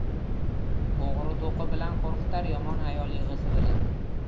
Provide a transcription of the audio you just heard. o'g'ri do'qi bilan qo'rqitar yomon ayol yig'isi bilan